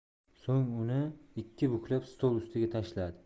so'ng uni ikki buklab stol ustiga tashladi